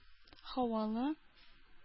Һавалы